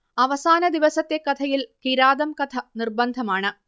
അവസാനദിവസത്തെ കഥയിൽ കിരാതംകഥ നിർബന്ധമാണ്